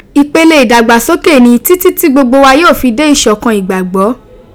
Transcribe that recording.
Ipele idagbasoke ni “titi ti gbogbo wa yoo fi de isokan igbagbo,